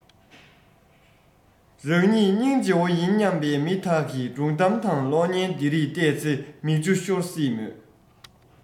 རང ཉིད སྙིང རྗེ བོ ཡིན སྙམ པའི མི དག གིས སྒྲུང གཏམ དང གློག བརྙན འདི རིགས བལྟས ཚེ མིག ཆུ ཤོར སྲིད མོད